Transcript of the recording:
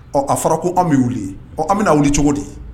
Ɔ a fɔra ko an bɛ wuli ɔ an bɛ wuli cogo di